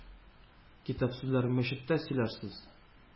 -китап сүзләрен мәчеттә сөйләрсез,